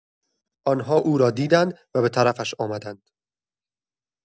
آنها او را دیدند و به طرفش آمدند.